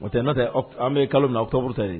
O n' an bɛ ye kalo min aw tauruta ye